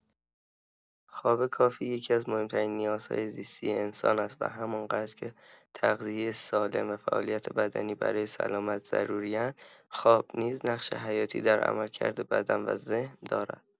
خواب کافی یکی‌از مهم‌ترین نیازهای زیستی انسان است و همان‌قدر که تغذیه سالم و فعالیت بدنی برای سلامت ضروری‌اند، خواب نیز نقش حیاتی در عملکرد بدن و ذهن دارد.